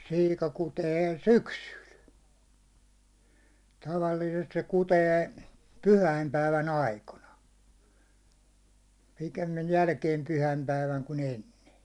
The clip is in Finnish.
siika kutee syksyllä tavallisesti se kutee pyhäinpäivän aikoina pikemmin jälkeen pyhäinpäivän kuin ennen